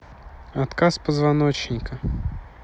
отказ позвоночника